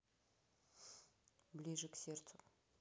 ближе к сердцу